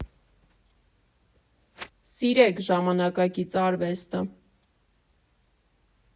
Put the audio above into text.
Սիրեք ժամանակակից արվեստը։